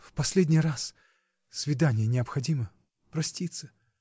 в последний раз: свидание необходимо — проститься.